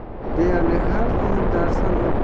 deyarli har kuni darsdan